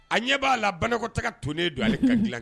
A ɲɛ b'a la bankɔtaa ka tonen don ale kan